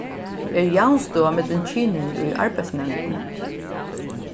er javnstøða millum kynini í arbeiðsnevndini